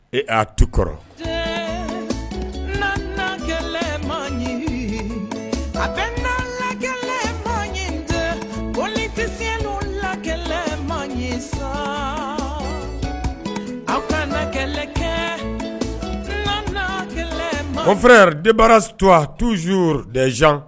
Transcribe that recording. Ee a tu kɔrɔ na la kelen ma ɲi a bɛ na la kelen ma ɲi cɛ boli tɛse n' la kelen ma ye sa a bɛ na kelen kɛ la kelen ma o fɛ debara tu a tuzo desan